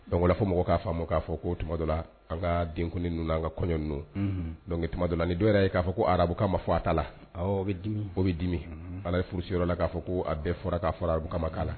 Donc o la fɔ mɔgɔ k'a faamu k'a fɔ ko tuma dɔ la an ka denkundiw an'an ka kɔɲɔnw, unhun, ni dɔw yɛrɛ ye k'a fɔ ko arabukan ma fɔ a ta la, awɔ, o bɛ dimi. Ka n'a ye furusiyɔrɔ la k'a fɔ ko a bɛɛ fɔra k'a fsɔra arabukan ma k'a la.